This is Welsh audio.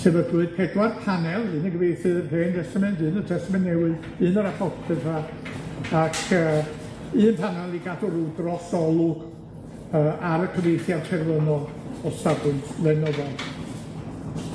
Sefydlwyd pedwar panel, un i gyfieithu'r Hen Destament, un y Testament Newydd, un yr Apocryffa ac yy un panel i gadw rw drosolwg yy ar y cyfieithiad terfynol o safbwynt lenyddol.